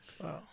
waaw